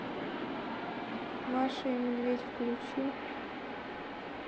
маша и медведь включи